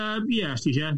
Yym ie os ti isie.